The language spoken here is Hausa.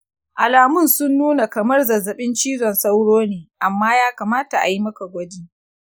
alamun sun nuna kamar zazzabin cizon sauro ne, amma ya kamata a yi maka gwaji.